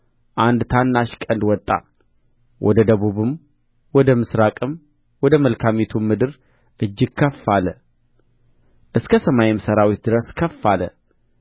አንድ ታናሽ ቀንድ ወጣ ወደ ደቡብም ወደ ምሥራቅም ወደ መልካሚቱም ምድር እጅግ ከፍ አለ እስከ ሰማይም ሠራዊት ድረስ ከፍ አለ